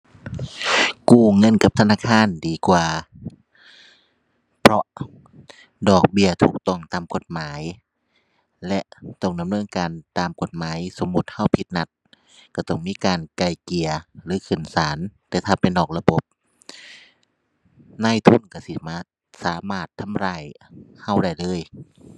กู้เงินกับธนาคารดีกว่า เพราะดอกเบี้ยถูกต้องตามกฎหมายและต้องดำเนินการตามกฎหมาย สมมุติเราผิดนัดเราต้องมีการไกล่เกลี่ยหรือขึ้นศาล แต่ถ้าเป็นนอกระบบ นายทุนเราสิมา สามารถทำร้ายเราได้เลย